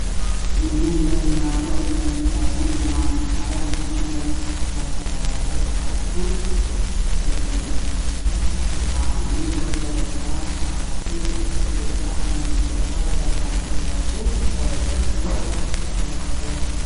Waa niman iyo naago oo meel taagan oo banaan baxaayo oo gacmaha kor u taagayo. Wiilku waxuu wataa shaati basali ah ama bingi ah, waxuu gacanta kuheystaa buug waxuu wataa surwaal qaxwi ah.